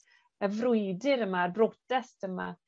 y frwydyr yma y brotest yma